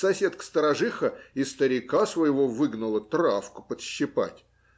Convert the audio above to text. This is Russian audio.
Соседка-сторожиха и старика своего выгнала травку подщипать.